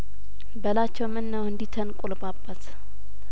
በላቸው ምነው እንዲህ ተንቆለጳጰሰ